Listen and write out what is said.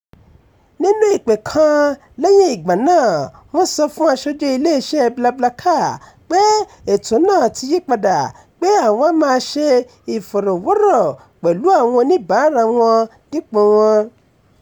Nínú ìpè kan lẹ́yìn ìgbà náà, wọ́n sọ fún aṣojú iléeṣẹ́ BlaBlaCar pé ètò náà ti yí padà, pé àwọn á máa ṣe ìfọ̀rọ̀wọ́rọ̀ pẹ̀lú àwọn oníbàáràa wọn dípò wọn.